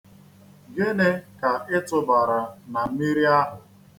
Gịni ̣ka ị tụbara na mmiri ahụ?